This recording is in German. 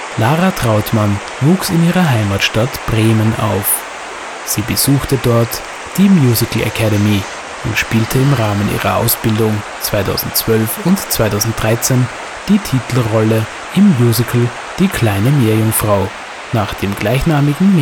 Lara Trautmann wuchs in ihrer Heimatstadt Bremen auf. Sie besuchte dort die Musical Academy und spielte im Rahmen ihrer Ausbildung 2012 und 2013 die Titelrolle im Musical Die kleine Meerjungfrau nach dem gleichnamigen